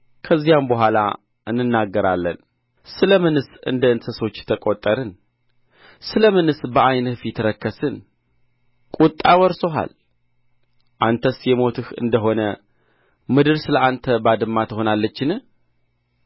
ከዚያም በኋላ እንናገራለን ስለ ምንስ እንደ እንስሶች ተቈጠርን ስለ ምንስ በዓይንህ ፊት ረከስን ቍጣ ወርሶሃል አንተስ የሞትህ እንደ ሆነ ምድር ስለ አንተ ባድማ ትሆናለችን